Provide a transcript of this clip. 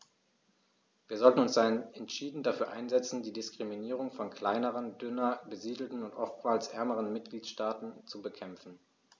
Wir sollten uns daher entschieden dafür einsetzen, die Diskriminierung von kleineren, dünner besiedelten und oftmals ärmeren Mitgliedstaaten zu bekämpfen.